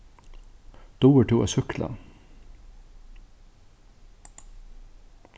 dugir tú at súkkla